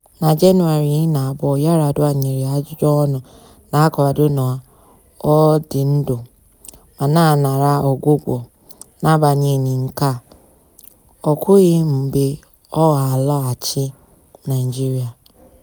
Na Jenụwarị 12th, Yar'Adua nyere ajụjụọnụ na-akwado na ọ dị ndụ ma na-anara ọgwụgwọ, n'agbanyeghị nke a, o kwughị mgbe ọ ga-alọghachi Naịjirịa.